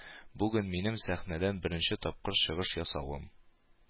Бүген минем сәхнәдән беренче тапкыр чыгыш ясавым.